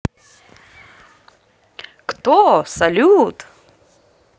кто салют